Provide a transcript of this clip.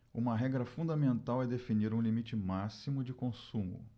uma regra fundamental é definir um limite máximo de consumo